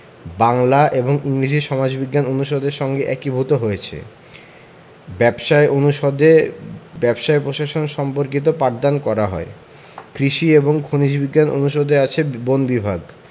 বাংলা এবং ইংরেজি সমাজবিজ্ঞান অনুষদের সঙ্গে একীভূত হয়েছে ব্যবসায় অনুষদে ব্যবসায় প্রশাসন সম্পর্কিত পাঠদান করা হয় কৃষি এবং খনিজ বিজ্ঞান অনুষদে আছে বন বিভাগ